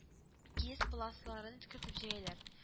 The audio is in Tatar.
Киез-пласларын кертеп җәяләр